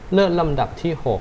เลือกลำดับที่หก